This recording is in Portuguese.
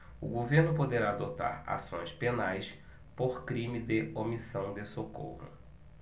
o governo poderá adotar ações penais por crime de omissão de socorro